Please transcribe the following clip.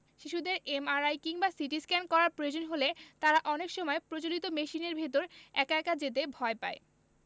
শিশুদের এমআরআই কিংবা সিটিস্ক্যান করার প্রয়োজন হলে তারা অনেক সময় প্রচলিত মেশিনের ভেতর একা একা যেতে ভয় পায়